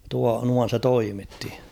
- noin se toimitti